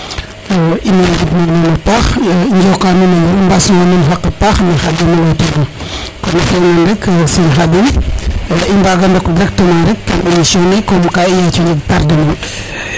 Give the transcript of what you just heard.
in way ngidma nuuna paax njoka nuun na njal mbasnu wa nuun xaqa paax ne Khadim a ley tuna konn a fiya ngan rek serigne Khadim i mbga ndok directement rek kam émission ne comme ka i yaco njeg tardema